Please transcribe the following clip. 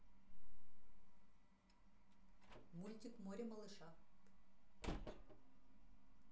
мультик море малыша